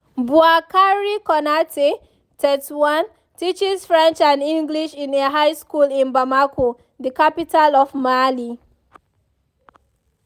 Boukary Konaté, 31, teaches French and English in a high school in Bamako, the capital of Mali.